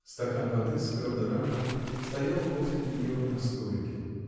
стакан воды с флер-д'оранжем стоял возле нее на столике.